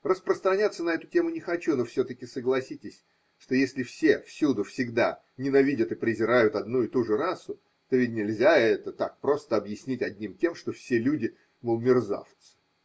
Распространяться на эту тему не хочу, но все-таки согласитесь, что если все, всюду, всегда ненавидят и презирают одну и ту же расу, то ведь нельзя это так просто объяснить одним тем, что все люди, мол, мерзавцы.